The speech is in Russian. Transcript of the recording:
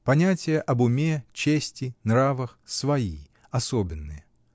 Понятия об уме, чести, нравах — свои, особенные.